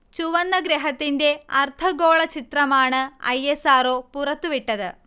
ചുവന്ന ഗ്രഹത്തിന്റെ അർദ്ധഗോള ചിത്രമാണ് ഐ. എസ്. ആർ. ഒ. പുറത്തുവിട്ടത്